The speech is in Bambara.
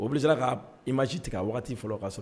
U obliger ra ka image tigɛ waati fɔlɔ ka sɔrɔ